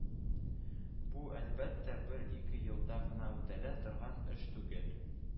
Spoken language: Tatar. Бу, әлбәттә, бер-ике елда гына үтәлә торган эш түгел